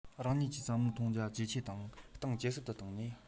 རང ཉིད ཀྱི བསམ བློ གཏོང རྒྱ ཇེ ཆེ དང གཏིང ཇེ ཟབ ཏུ བཏང ནས